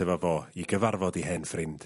...efo fo i gyfarfod 'i hen ffrind.